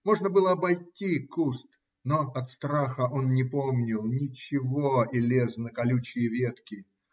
Можно было обойти куст, но от страха он не помнил ничего и лез на колючие ветви.